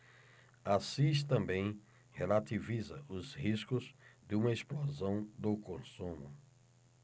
assis também relativiza os riscos de uma explosão do consumo